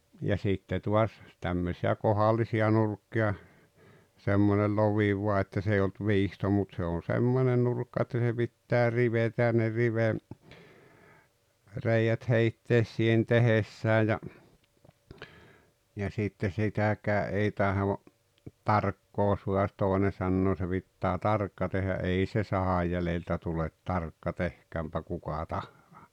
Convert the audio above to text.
ja sitten taas tämmöisiä kohdallisia nurkkia semmoinen lovi vain että se ei ollut viisto mutta se on semmoinen nurkka että se pitää rivetä ja ne - rivereiät heittää siihen tehdessä ja ja sitten sitäkään ei tahdo tarkkaan saada toinen sanoa se pitää tarkkaan tehdä ei se sahan jäljeltä tule tarkka tehköönpä kuka tahansa